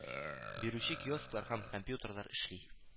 Бирүче киосклар һәм компьютерлар эшли